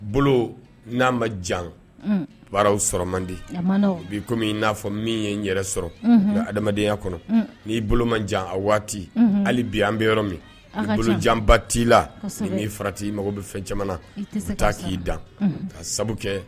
Bolo n' ma jan baaraw sɔrɔ mandi bi komi i n'a fɔ min ye n yɛrɛ sɔrɔ bɛ adamadenyaya kɔnɔ n'i bolo man jan a waati hali bi an bɛ yɔrɔ min bolo jan ba t'i la ni'i farati mago bɛ fɛn caman taa k'i da ka sabu kɛ